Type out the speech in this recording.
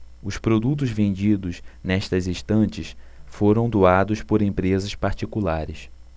os produtos vendidos nestas estantes foram doados por empresas particulares